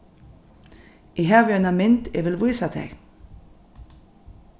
eg havi eina mynd eg vil vísa tær